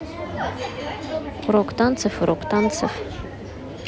урок танцев урок танцев